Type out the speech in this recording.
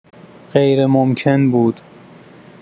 غیرممکن بود.